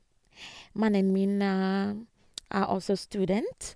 Mannen min er også student.